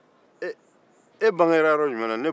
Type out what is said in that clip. e bangera yɔrɔ jumɛn na